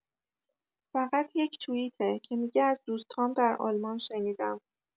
فقط یک توییته که می‌گه از دوست‌هام در آلمان شنیدم.